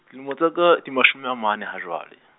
dilemo tsa ka, di mashome a mane ha jwale.